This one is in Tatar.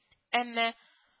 Әмма